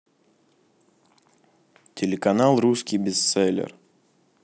телеканал русский бестселлер